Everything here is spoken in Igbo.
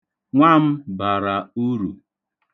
Erela ụlọ gị ahụ, ọ ga-aba uru na nsonso.